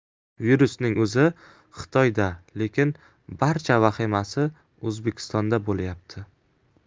virusning o'zi xitoyda lekin barcha vahimasi o'zbekistonda bo'lyapti